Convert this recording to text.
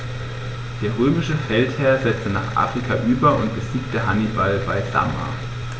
Der römische Feldherr setzte nach Afrika über und besiegte Hannibal bei Zama.